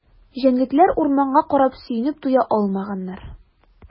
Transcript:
Җәнлекләр урманга карап сөенеп туя алмаганнар.